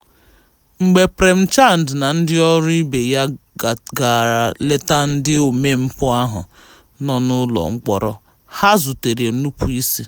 Mgbe Prem Chand na ndị ọrụ ibe ya gara leta ndị omempụ ahụ nọ n'ụlọ mkpọrọ, ha zutere nupụ isi: